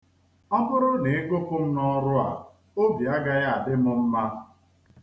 Ọ bụrụ na ịgụpụ m n'ọrụ a, obi a gaghị adị m mma.